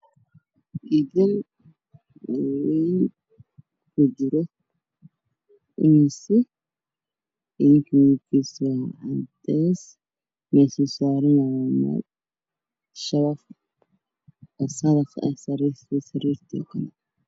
Waxaa ii muuqda weel uu ku jiro oo si kalarkiisu yahay caddays meesha uu saaran yahay waa shabaab oo oranje ah